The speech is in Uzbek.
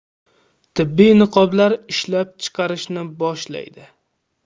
tibbiy niqoblar ishlab chiqarishni boshlaydi